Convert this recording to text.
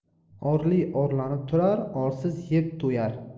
orli orlanib turar orsiz yeb to'yar